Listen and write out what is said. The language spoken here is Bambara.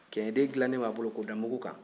cɛniden dilannen b'a bolo k'o da mugu kan